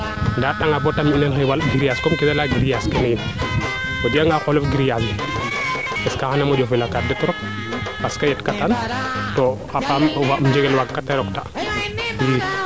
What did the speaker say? nda a ret a nga bo te fi meen xeewal grillage comme keede leya grillage keene yiin o jega nga qolof grillage in parce xana moƴo fel a kar trop parce que in katan to xa paam njengel waag ka tee rok ta i